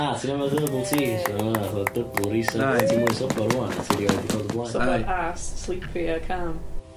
Ah ti'n me'wl bod erbal teas fel ma' wnna fod double reset, ti'n mwy sobor rŵan na ti erioed 'di bod o blaen. Sobor a sleepy a calm.